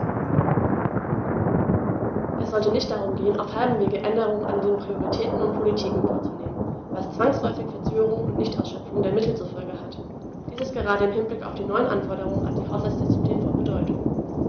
Es sollte nicht darum gehen, auf halbem Wege Änderungen an den Prioritäten und Politiken vorzunehmen, was zwangsläufig Verzögerungen und Nichtausschöpfung der Mittel zur Folge hat. Dies ist gerade im Hinblick auf die neuen Anforderungen an die Haushaltsdisziplin von Bedeutung.